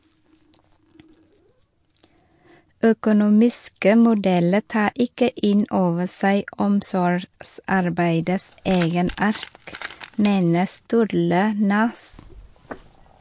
- Økonomiske modeller tar ikke inn over seg omsorgsarbeidets egenart, mener Sturle Næss.